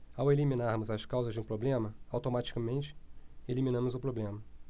ao eliminarmos as causas de um problema automaticamente eliminamos o problema